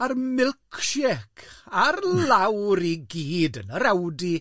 A'r milkshake, ar lawr i gyd yn yr Audi.